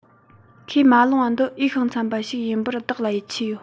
ཁས མ བླངས པ འདི འོས ཤིང འཚམ པ ཞིག ཡིན པར བདག ལ ཡིད ཆེས ཡོད